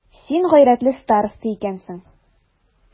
Син гайрәтле староста икәнсең.